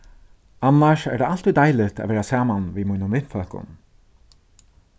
annars er tað altíð deiligt at vera saman við mínum vinfólkum